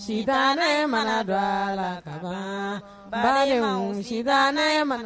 Sitanɛ mana dɔ a la kabaan balemaw sitanɛ mana